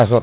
azote